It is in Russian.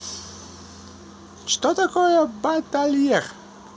что такое батальер